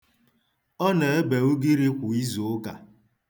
Ọ na-ebe ugiri kwa izuụka.